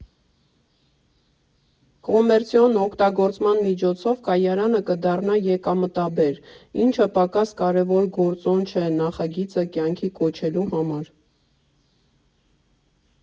Կոմերցիոն օգտագործման միջոցով կայարանը կդառնա եկամտաբեր, ինչը պակաս կարևոր գործոն չէ նախագիծը կյանքի կոչելու համար։